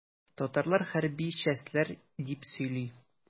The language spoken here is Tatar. Татарлар хәрби чәстләр дип сөйли.